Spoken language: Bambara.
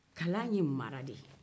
kalan ye mara de ye